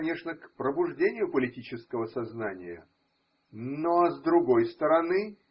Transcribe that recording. конечно, к пробуждению политического сознания. Но. А с другой стороны?